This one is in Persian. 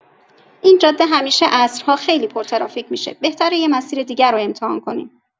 این جاده همیشه عصرها خیلی پرترافیک می‌شه، بهتره یه مسیر دیگه رو امتحان کنیم.